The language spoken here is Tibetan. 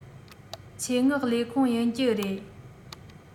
ཆེད མངགས ལས ཁུང ཡིན གྱི རེད